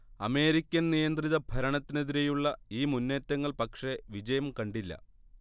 അമേരിക്കൻനിയന്ത്രിത ഭരണത്തിനെതിരെയുള്ള ഈ മുന്നേറ്റങ്ങൾ പക്ഷേ വിജയം കണ്ടില്ല